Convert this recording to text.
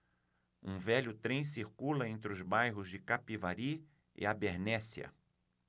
um velho trem circula entre os bairros de capivari e abernéssia